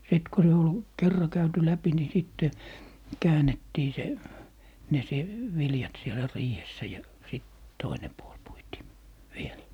sitten kun se oli kerran käyty läpi niin sitten käännettiin se ne se viljat siellä riihessä ja sitten toinen puoli puitiin vielä